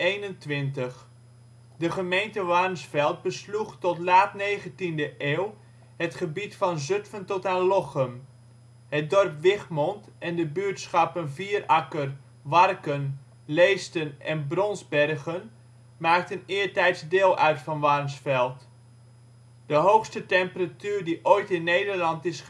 1121. De gemeente Warnsveld besloeg tot laat 19e eeuw het gebied van Zutphen tot aan Lochem. Het dorp Wichmond en de buurtschappen Vierakker, Warken, Leesten en Bronsbergen maakten eertijds onderdeel uit van ' Warnsveld '. De hoogste temperatuur die ooit in Nederland is